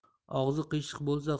og'zi qiyshiq bo'lsa